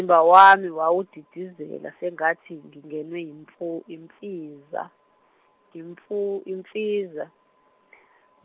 -imba wami wawudidizela sengathi ngingenwe imfo- imfiza, imfo- imfiza .